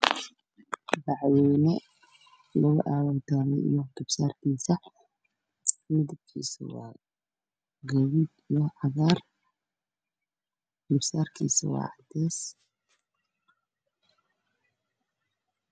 Waa bati waxaa dul saaran maracad